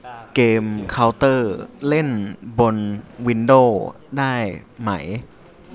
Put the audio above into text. เกมเค้าเตอร์เล่นบนวินโด้ได้ไหม